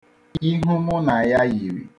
Ihu mụ na ya yiri.